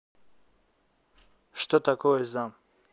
что такое зам